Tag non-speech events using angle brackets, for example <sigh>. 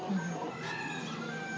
<hesitation> <hesitation> <noise>